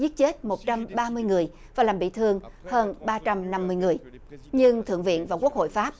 giết chết một trăm ba mươi người và làm bị thương hơn ba trăm năm mươi người nhưng thượng viện quốc hội pháp